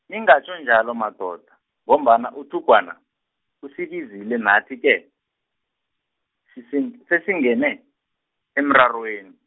ningatjho njalo madoda, ngombana uThugwana, usibizile nathi ke, sisen- sesingene, emrarweni.